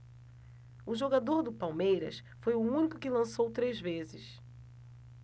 o jogador do palmeiras foi o único que lançou três vezes